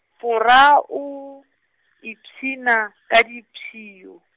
fora o, ipshina ka di pshio.